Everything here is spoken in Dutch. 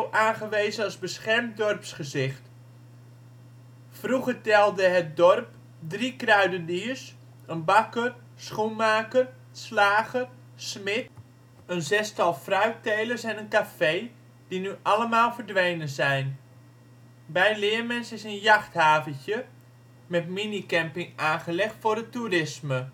aangewezen als beschermd dorpsgezicht. Vroeger telde het dorp drie kruideniers, een bakker, schoenmaker, slager, smit, een zestal fruittelers en een café, die nu allemaal verdwenen zijn. Bij Leermens is een jachthaventje (' Plaisterploats ') met minicamping aangelegd voor het toerisme